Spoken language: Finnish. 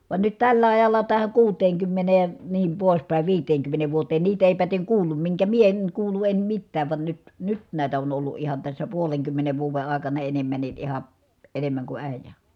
vaan nyt tällä ajalla tähän kuuteenkymmeneen niin pois päin viiteenkymmeneen vuoteen niitä ei päten kuullut minkä minä en kuullut en mitään vaan nyt nyt näet on ollut ihan tässä puolenkymmenen vuoden aikana enemmänkin ihan enemmän kuin äijä